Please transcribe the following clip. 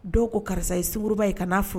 Dɔw ko karisa ye suŋuruba ye kan'a fur